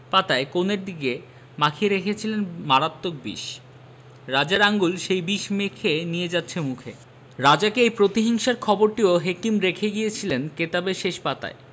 পাতায় কোণের দিকে মাখিয়ে রেখেছিলেন মারাত্মক বিষ রাজার আঙুল সেই বিষ মেখে নিয়ে যাচ্ছে মুখে রাজাকে এই প্রতিহিংসার খবরটিও হেকিম রেখে গিয়েছিলেন কেতাবের শেষ পাতায়